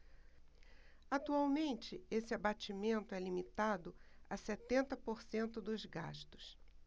atualmente esse abatimento é limitado a setenta por cento dos gastos